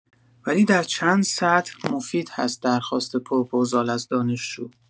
ولی در چند سطح مفید هست درخواست پروپوزال از دانشجو.